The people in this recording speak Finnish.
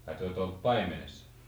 ai te olette ollut paimenessa